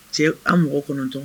Cɛw, an mɔgɔ 9.